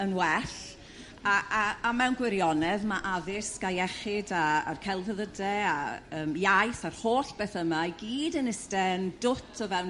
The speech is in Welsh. yn well a a a mewn gwirionedd ma' addysg a iechyd a a'r celfyddyde a yrm iaith ar holl beth yma i gyd yn iste' yn dwt o fewn